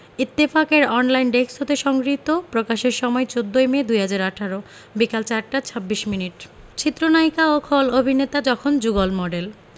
ইত্তেফাক এর অনলাইন ডেক্স হতে সংগৃহীত প্রকাশের সময় ১৪ ই মে ২০১৮ বিকেল ৪টা ২৬ মিনিট চিত্রনায়িকা ও খল অভিনেতা যখন যুগল মডেল